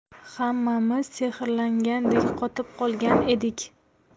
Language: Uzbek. hammamiz sehrlangandek qotib qolgan edik